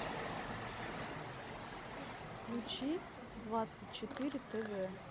включи двадцать четыре тв